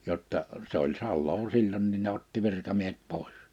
jotta se oli salaa silloinkin ne otti virkamiehet pois